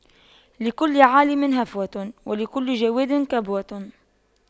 لكل عالِمٍ هفوة ولكل جَوَادٍ كبوة